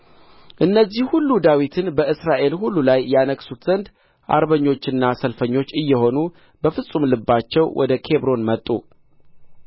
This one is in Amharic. እነዚህ ሁሉ ዳዊትን በእስራኤል ሁሉ ላይ ያነግሡት ዘንድ አርበኞችና ሰልፈኞች እየሆኑ በፍጹም ልባቸው ወደ ኬብሮን መጡ